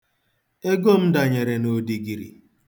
Ego m danyere n'odigiri.